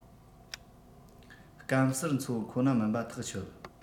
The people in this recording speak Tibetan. སྐམ སར འཚོ ཁོ ན མིན པ ཐག ཆོད